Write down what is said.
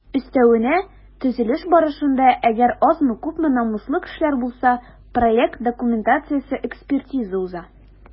Өстәвенә, төзелеш барышында - әгәр азмы-күпме намуслы кешеләр булса - проект документациясе экспертиза уза.